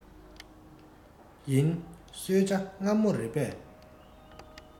ཡིན གསོལ ཇ མངར མོ རེད པས